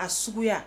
A sugu